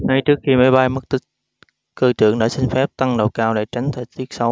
ngay trước khi máy bay mất tích cơ trưởng đã xin phép tăng độ cao để tránh thời tiết xấu